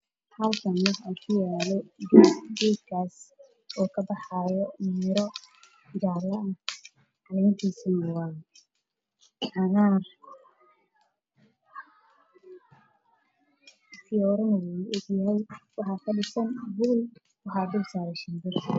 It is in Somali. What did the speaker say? Waa geed midabkiisu yahay cagaar jaallo waxa uu leeyahay miro jaalle ah waxaa ku dhex yaalla buul shimradeed